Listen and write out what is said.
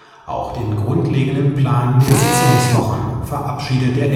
Auch den grundlegenden Plan der Sitzungswochen verabschiedet der